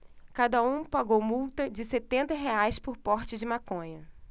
cada um pagou multa de setenta reais por porte de maconha